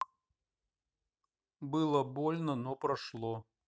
было больно но прошло